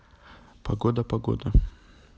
погода погода